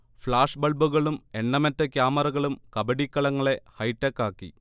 flash ബൾബുകളും എണ്ണമറ്റ ക്യാമറകളും കബഡി കളങ്ങളെ ഹൈടെക്കാക്കി